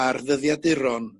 ar ddyddiaduron